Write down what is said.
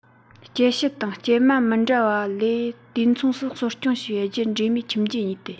སྐྱེད བྱེད དང སྐྱེད མ མི འདྲ བ ལས དུས མཚུངས སུ གསོ སྐྱོང བྱས པའི རྒྱུད འདྲེས མའི ཁྱིམ རྒྱུད གཉིས དེ